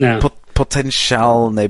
Na. ...po- potensial neu...